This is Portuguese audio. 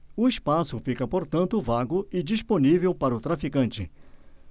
o espaço fica portanto vago e disponível para o traficante